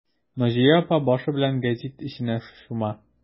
Наҗия апа башы белән гәзит эшенә чума.